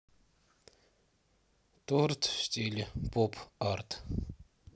торт в стиле поп арт